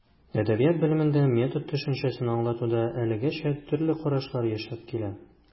Әдәбият белемендә метод төшенчәсен аңлатуда әлегәчә төрле карашлар яшәп килә.